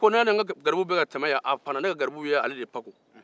ko ne ka garibuw ye ale de pako an tɛmɛtɔ yan